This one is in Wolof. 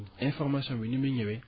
information bi ni muy ñëwee